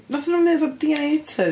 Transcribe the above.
Wnaethon nhw'm wneud fatha DNA test...